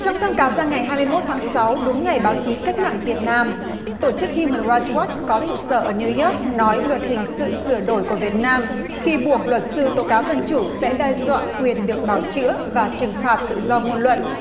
trong thông cáo ra ngày hai mươi mốt tháng sáu đúng ngày báo chí cách mạng việt nam tổ chức hiu mần roai goát có trụ sở ở niu doóc nói luật hình sự sửa đổi của việt nam khi buộc luật sư tố cáo thân chủ sẽ đe dọa quyền được bào chữa và trừng phạt tự do ngôn luận